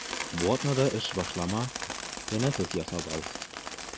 Бу атнада эш башлама, тәнәфес ясап ал.